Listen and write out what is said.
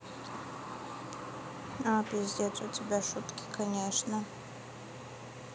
а пиздец у тебя шутки конечно